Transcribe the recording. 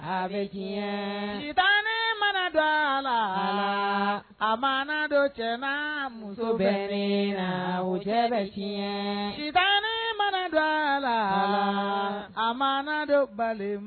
Saba tan mana dɔ la a ma don jama muso bɛ la o ye bɛ tan mana la a ma don bali